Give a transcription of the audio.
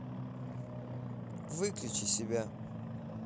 выключи себя